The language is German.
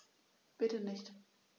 Bitte nicht.